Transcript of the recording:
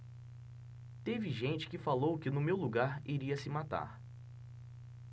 teve gente que falou que no meu lugar iria se matar